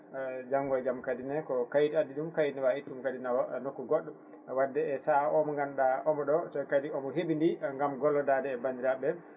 janggo e jaam kadi ne ko kayit addi ɗum kayit ne wawi ittude kadi nawa nokku goɗɗo wadde saaha o mo ganduɗa omo ɗo te kadi omo heeɓidi gam gollodade bandiraɓe